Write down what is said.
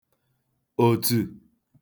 òtù